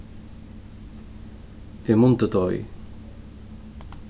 eg mundi doyð